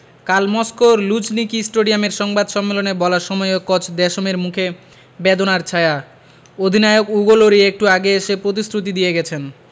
কাল মস্কোর লুঝনিকি স্টডিয়ামের সংবাদ সম্মেলনে বলার সময়ও কচ দেশমের মুখে বেদনার ছায়া অধিনায়ক উগো লরি একটু আগে এসে পতিশ্রুতি দিয়ে গেছেন